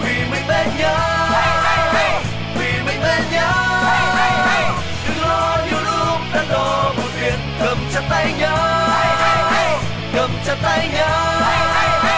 vì mình bên nhau vì mình bên nhau đừng lo nhiều lúc đắn đo buồn phiền cầm chặt tay nhau cầm chặt tay nhau